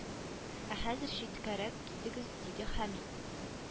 Ә хәзер читкәрәк китегез диде хәмит